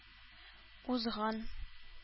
Узган